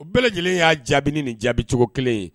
O bɛɛ lajɛlen y'a jaabi ni nin jaabicogo 1 ye